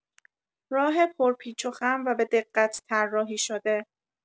راه پرپیچ‌وخم و به‌دقت طراحی‌شده